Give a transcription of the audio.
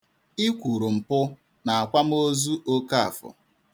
I kwuru mpụ n'akwamozu Okafọ.